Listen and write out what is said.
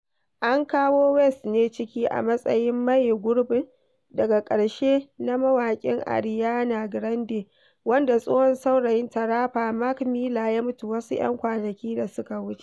An kawo West ne ciki a matsayin maye gurbin daga ƙarshe na mawaki Ariana Grande, wanda tsohon saurayinta, rapper Mac Miller ya mutu wasu 'yan kwanaki da suka wuce.